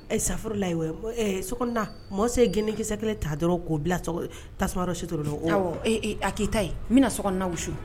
Ayi safurulayi, ee sokɔnɔna mɔɔ se geni kisɛ kelen ta dɔrɔn k'o bila tasuma awɔ a k'i ta ye n bɛna sokɔnɔna wusu